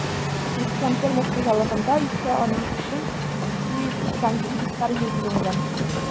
Ә крестьян-фермер хуҗалыкларында исә аның өчен 297 гектар җир бүленгән.